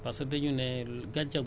waa parce que boo verser